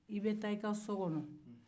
i bɛ taa i ka so kɔnɔ